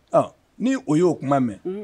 Aa ni o y' oo kuma mɛn